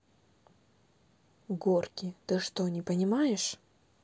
gorky ты что не понимаешь